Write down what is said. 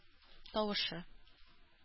Тавышы